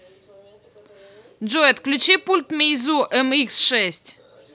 джой отключи пульт мейзу mx шесть